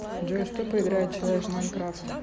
джой что поиграет человек в minecraft